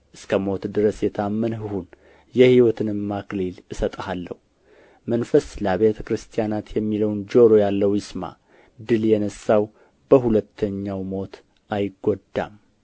እስከሞት ድረስ የታመንህ ሁን የሕይወትንም አክሊል እሰጥሃለሁ መንፈስ ለአብያተ ክርስቲያናት የሚለውን ጆሮ ያለው ይስማ ድል የነሣው በሁለተኛው ሞት አይጐዳም